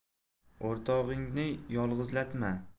o'rtog'ingni yolg'izlatma